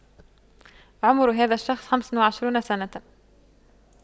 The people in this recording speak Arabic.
عمر هذا الشخص خمس وعشرون سنة